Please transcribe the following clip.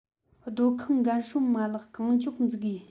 སྡོད ཁང འགན སྲུང མ ལག གང མགྱོགས འཛུགས དགོས